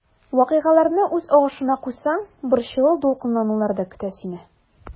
Вакыйгаларны үз агышына куйсаң, борчылу-дулкынланулар да көтә сине.